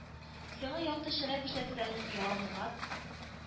– сиңа якты чырай күрсәтсәң, ялынырга